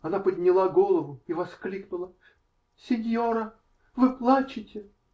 Она подняла голову и воскликнула: -- Синьора, вы плачете?